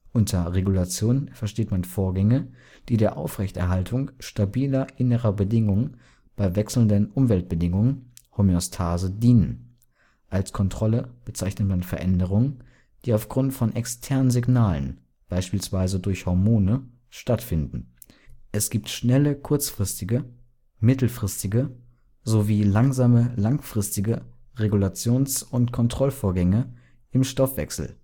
Unter Regulation versteht man Vorgänge, die der Aufrechterhaltung stabiler innerer Bedingungen bei wechselnden Umweltbedingungen (Homöostase) dienen. Als Kontrolle bezeichnet man Veränderungen, die auf Grund von externen Signalen (beispielsweise durch Hormone) stattfinden. Es gibt schnelle/kurzfristige, mittelfristige sowie langsame/langfristige Regulations - und Kontrollvorgänge im Stoffwechsel